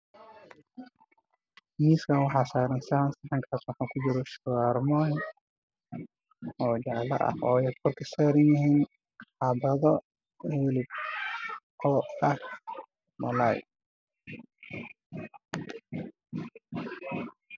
Waa saxan cadaan waxaa ku jirta rooti waxaa saaran khudaar cagar ayaa korka saaran miisa iyo saaran yihiin